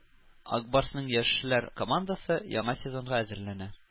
“ак барс”ның яшьләр командасы яңа сезонга әзерләнә